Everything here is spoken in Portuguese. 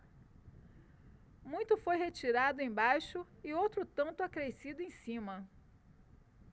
muito foi retirado embaixo e outro tanto acrescido em cima